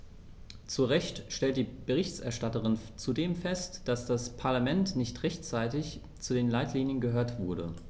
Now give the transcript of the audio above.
Zu Recht stellt die Berichterstatterin zudem fest, dass das Parlament nicht rechtzeitig zu den Leitlinien gehört wurde.